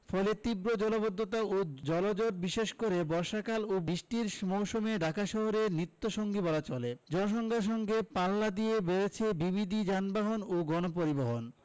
ফলে তীব্র জলাবদ্ধতা ও জলজট বিশেষ করে বর্ষাকাল ও বৃষ্টির মৌসুমে ঢাকা শহরের নিত্যসঙ্গী বলা চলে জনসংখ্যার সঙ্গে পাল্লা দিয়ে বেড়েছে বিবিধ যানবাহন ও গণপরিবহন